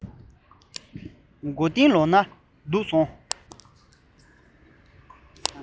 མགོ རྟིང ལོག ན སྡུག སོང